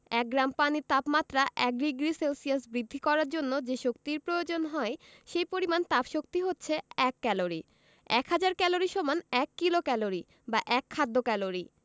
এক গ্রাম পানির তাপমাত্রা ১ ডিগ্রি সেলসিয়াস বৃদ্ধি করার জন্য যে শক্তির প্রয়োজন হয় সে পরিমাণ তাপশক্তি হচ্ছে এক ক্যালরি এক হাজার ক্যালরি সমান এক কিলোক্যালরি বা এক খাদ্য ক্যালরি